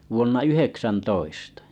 vuonna yhdeksäntoista